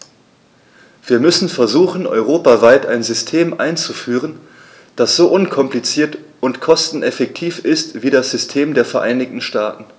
Wir müssen versuchen, europaweit ein System einzuführen, das so unkompliziert und kosteneffektiv ist wie das System der Vereinigten Staaten.